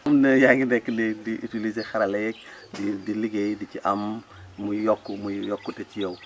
fi mu ne yaa ngi nekk di di utilisé xarala yeeg di di liggéey di ci am muy yokku muy yokkute ci yow